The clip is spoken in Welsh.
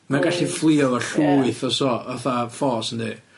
mae'n gallu fflio efo llwyth o so- fatha force yndi?